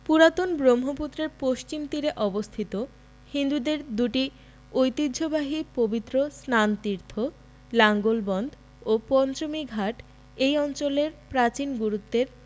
পুরাতন ব্রহ্মপুত্রের পশ্চিম তীরে অবস্থিত হিন্দুদের দুটি ঐতিহ্যবাহী পবিত্র স্নানতীর্থ লাঙ্গলবন্দ ও পঞ্চমীঘাট এ অঞ্চলের প্রাচীন গুরুত্বের